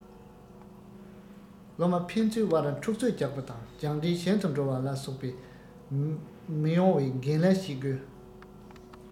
སློབ མ ཕན ཚུན དབར འཁྲུག རྩོད རྒྱག པ དང སྦྱངས འབྲས ཞན དུ འགྲོ བ ལ སོགས པའི མི ཡོང བའི འགན ལེན བྱེད དགོས